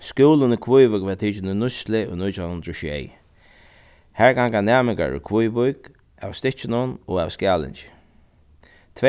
skúlin í kvívík varð tikin í nýtslu í nítjan hundrað og sjey har ganga næmingar úr kvívík av stykkinum og av skælingi